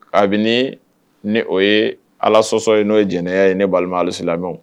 Kabini ni o ye ala sɔsɔ ye n' ye jɛnɛɛnɛya ye ne balima halisi